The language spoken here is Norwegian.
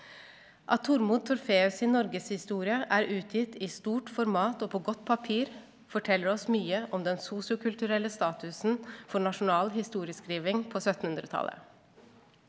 at Tormod Torfæus sin norgeshistorie er utgitt i stort format og på godt papir forteller oss mye om den sosiokulturelle statusen for nasjonal historieskriving på syttenhundretallet.